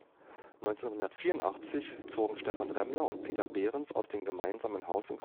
1984 zogen Stephan Remmler und Peter Behrens aus dem gemeinsamen Haus in